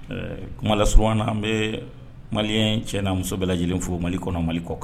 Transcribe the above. Kumala snan an bɛ mali cɛna muso bɛɛ lajɛlenlen fo mali kɔnɔ mali kɔ kan